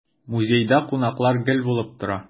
Музейда кунаклар гел булып тора.